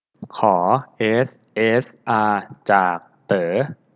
ขอเอสเอสอาจากเต๋อ